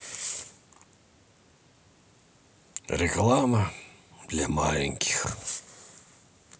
реклама для маленьких